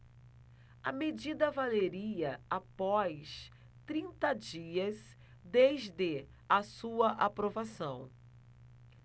a medida valeria após trinta dias desde a sua aprovação